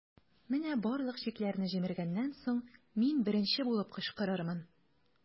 Менә барлык чикләрне җимергәннән соң, мин беренче булып кычкырырмын.